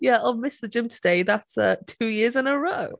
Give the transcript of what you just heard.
Yeah "oh I've missed the gym today that's uh two years in a row!"